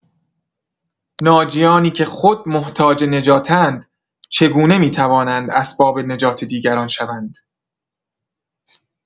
ناجیانی که خود محتاج نجاتند، چگونه می‌توانند اسباب نجات دیگران شوند!